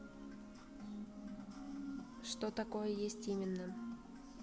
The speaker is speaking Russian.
что такое есть именно